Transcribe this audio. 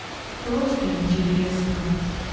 просто интересно